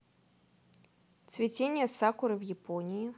цветение сакуры в японии